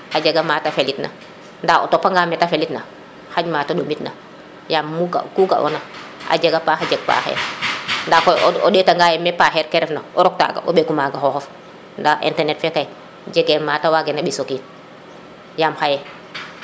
a jega mata felit na nda o topa nga mete felit na xaƴ mata ɗomit na yam mu ga ona a jega paax a jega paxeer nda o neta nga ye me paxeer ke ndef na o rok taga wo mbeku maga xoxof nda interet fe kay jega mate wageer a mbiso kiin yam xaye